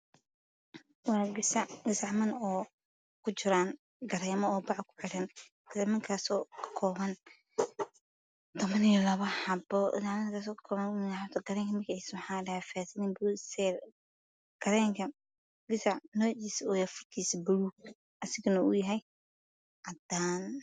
Waa gasac gasacman oo ku jiraan kareemo oo bac ku xiran karemankasoo ka koban toban iyo laba xabo karenka magacisa waxaa la dhahaa karenka furkisa uu yahay baluug